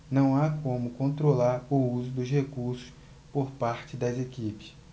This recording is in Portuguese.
não há como controlar o uso dos recursos por parte das equipes